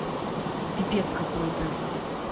пипец какой то